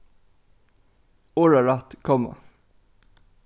orðarætt komma